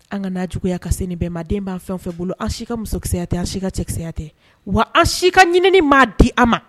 An kana juguyaya ka se nin bɛ lajɛlen ma den b'an fɛn o fɛn bolo, an si ka musokisɛsɛya tɛ, an si ka cɛkisɛya tɛ, wa an si ka ɲinini ma'a di an ma!